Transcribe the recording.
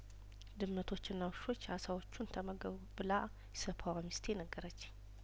ድመቶችና ውሾች አሳዎቹን ተመገቡ ብላ ኢሰፓዋ ሚስቴ ነገረችኝ